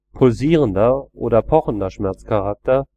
pulsierender oder pochender Schmerzcharakter